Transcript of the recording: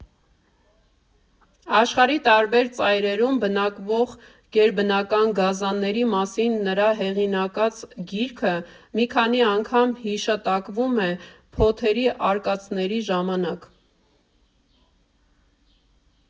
Աշխարհի տարբեր ծայրերում բնակվող գերբնական գազանների մասին նրա հեղինակած գիրքը մի քանի անգամ հիշատակվում է Փոթերի արկածների ժամանակ։